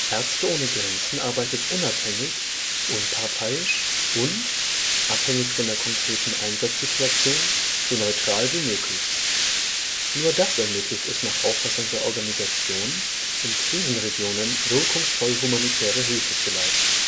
Ärzte ohne Grenzen arbeitet unabhängig, unparteiisch und, abhängig von der konkreten Einsatzsituation, so neutral wie möglich. Nur das ermöglicht es nach Auffassung der Organisation, in Krisenregionen wirkungsvoll humanitäre Hilfe zu leisten